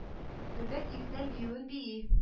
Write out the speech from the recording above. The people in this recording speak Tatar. Нурбәк Егетләр биюен бии